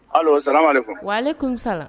O sama de wa ale sa